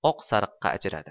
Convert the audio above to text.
oq sariqqa ajradi